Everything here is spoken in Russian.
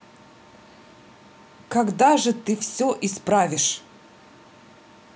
когда же ты все исправишь